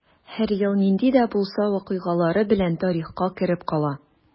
Һәр ел нинди дә булса вакыйгалары белән тарихка кереп кала.